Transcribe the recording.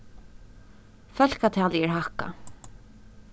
fólkatalið er hækkað